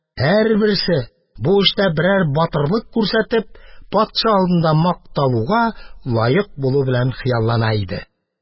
Һәрберсе, бу эштә берәр батырлык күрсәтеп, патша алдында макталуга лаек булу белән хыяллана иде.